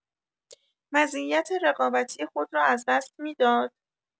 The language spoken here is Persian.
مزیت رقابتی خود را از دست می‌داد؟